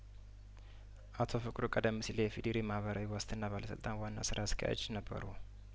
አቶ ፍቅሩ ቀደም ሲል የኢ ፊ ዴሪ የማህበራዊ ዋስትና ባለስልጣን ዋና ስራ አስኪያጅ ነበሩ